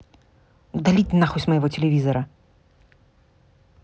удалить нахуй с моего телевизора